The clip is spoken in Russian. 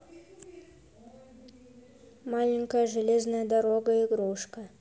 маленькая железная дорога игрушка